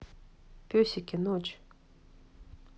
песики ночь